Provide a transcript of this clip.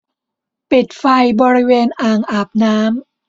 ปิดไฟบริเวณอ่างอาบน้ำ